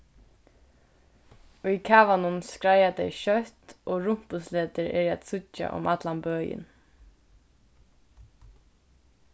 í kavanum skreiða tey skjótt og rumpusletur eru at síggja um allan bøin